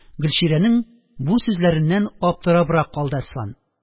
Гөлчирәнең бу сүзләреннән аптырабрак калды Әсфан